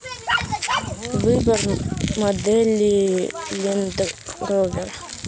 выбор модели лендровер